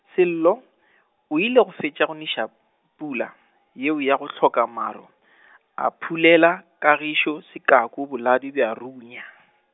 Sello, o ile go fetša go neša, pula yeo ya go hloka maru , a phulela, Kagišo sekaku boladu bja runya.